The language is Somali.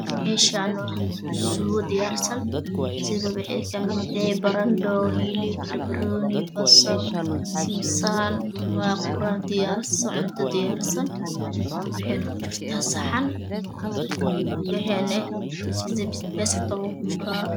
Meshaan waxane suugo diyaarsan sida waxey ka mid tahay barandho hilip bar barooni basal simsaan waa quraac diyaarsan cunto diyaarsan waxena ku jirtana saxaan waxane sida bisbaas toon ku jiraa